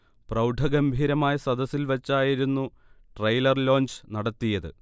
പ്രൗഢഗംഭീരമായ സദസ്സിൽ വെച്ചായിരുന്നു trailer launch നടത്തിയത്